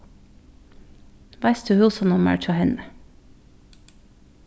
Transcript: veitst tú húsanummarið hjá henni